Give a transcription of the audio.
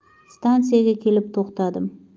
stansiyaga kelib to'xtadim